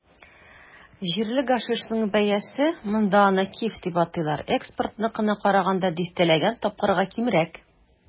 Җирле гашишның бәясе - монда аны "киф" дип атыйлар - экспортныкына караганда дистәләгән тапкырга кимрәк.